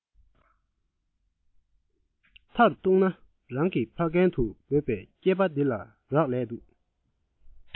མཐར གཏུགས ན རང གིས ཕ རྒན ཏུ འབོད པའི སྐྱེས པ འདི ལ རག ལས འདུག